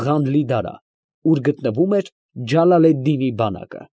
Ղանլի֊Դարա, ուր գտնվում էր Ջալալեդդինի բանակը։